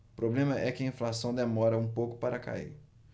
o problema é que a inflação demora um pouco para cair